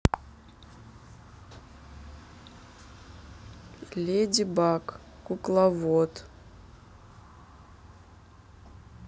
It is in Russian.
леди баг кукловод